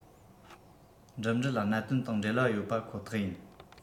འགྲིམ འགྲུལ གནད དོན དང འབྲེལ བ ཡོད པ ཁོ ཐག ཡིན